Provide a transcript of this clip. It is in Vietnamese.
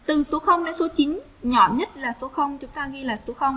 từ số đến số nhỏ nhất là số không cho tao ghi là số